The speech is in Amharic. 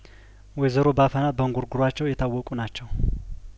ወይዘሮ ባፈና በእንጉርጉሯቸው የታወቁ ናቸው